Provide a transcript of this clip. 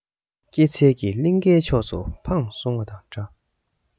སྐྱེད ཚལ གྱི གླིང གའི ཕྱོགས སུ འཕངས སོང བ འདྲ